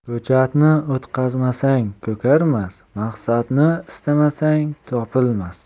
ko'chatni o'tqazmasang ko'karmas maqsadni istamasang topilmas